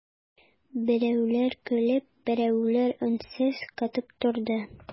Берәүләр көлеп, берәүләр өнсез катып торды.